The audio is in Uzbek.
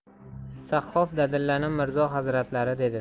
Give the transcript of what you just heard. sahhof dadillanib mirzo hazratlari dedi